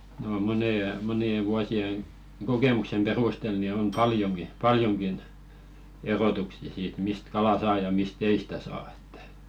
no - monien vuosien kokemuksen perusteella niin on paljonkin paljonkin erotuksia siitä mistä kalaa saa ja mistä ei sitä saa että